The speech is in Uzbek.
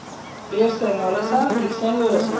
bersang olasan eksang o'rasan